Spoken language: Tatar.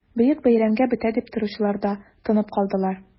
Бөек бәйрәмгә бетә дип торучылар да тынып калдылар...